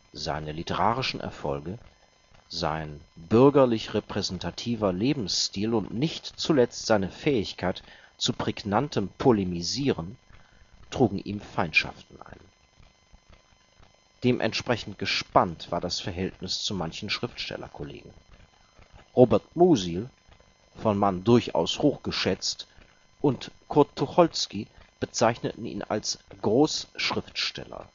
Seine literarischen Erfolge, sein bürgerlich-repräsentativer Lebensstil und nicht zuletzt seine Fähigkeit zu prägnantem Polemisieren trugen ihm Feindschaften ein. Dementsprechend gespannt war das Verhältnis zu manchen Schriftstellerkollegen. Robert Musil, von Mann durchaus hoch geschätzt, und Kurt Tucholsky bezeichneten ihn als „ Großschriftsteller